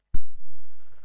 San